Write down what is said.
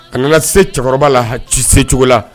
A nana se cɛkɔrɔba la ha ci se cogo la